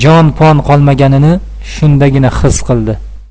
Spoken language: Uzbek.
qolmaganini shundagina xis qildi